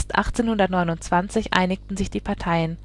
1829 einigten sich die Parteien